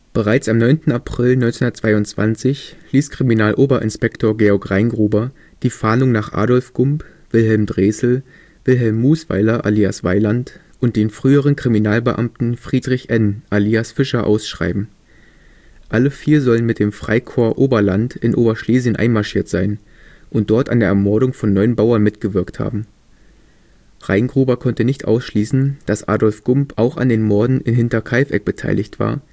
Bereits am 9. April 1922 ließ Kriminaloberinspektor Georg Reingruber die Fahndung nach Adolf Gump, Wilhelm Dreßel, Wilhelm Musweiler alias Weiland und den früheren Kriminalbeamten Friedrich N. alias Fischer ausschreiben. Alle vier sollen mit dem Freikorps Oberland in Oberschlesien einmarschiert sein und dort an der Ermordung von neun Bauern mitgewirkt haben. Reingruber konnte nicht ausschließen, dass Adolf Gump auch an den Morden in Hinterkaifeck beteiligt war